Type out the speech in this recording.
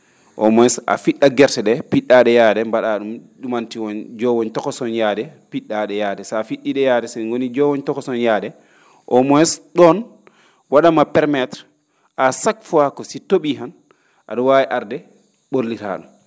au moins a fi??at gerte ?ee pi??aa ?e yaade mba?aa ?um ?umantiwoñ joowoñ tokosoñ yaade pi??aa ?e yaade so a fi??ii ?e yaade so ?e ngonii joowoñ tokosoñ yaade au moins ?oon wa?atma permettre à chaque fois si to?ii han a?o waawi arde ?orliraa?e